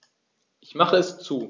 Ich mache es zu.